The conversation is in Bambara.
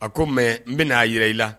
A ko mɛ n bɛna'a jira i la